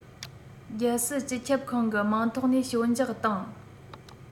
རྒྱལ སྲིད སྤྱི ཁྱབ ཁང གི མིང ཐོག ནས ཞོལ འཇགས བཏང